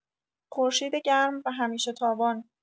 خورشید گرم و همیشه تابان